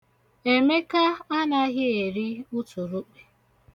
Emeka anaghị eri uturukpe.